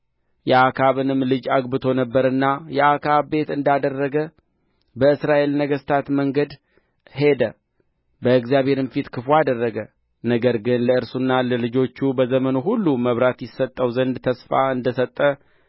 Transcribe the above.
የአክዓብንም ልጅ አግብቶ ነበርና የአክዓብ ቤት እንዳደረገ በእስራኤል ነገሥታት መንገድ ሄደ በእግዚአብሔርም ፊት ክፉ አደረገ ነገር ግን ለእርሱና ለልጆቹ ለዘመኑ ሁሉ መብራት ይሰጠው ዘንድ ተስፋ እንደ ሰጠ